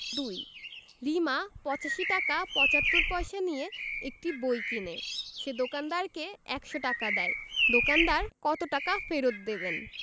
২ রিমা ৮৫ টাকা ৭৫ পয়সা দিয়ে একটি বই কিনে সে দোকানদারকে ১০০ টাকা দেয় দোকানদার কত টাকা ফেরত দেবেন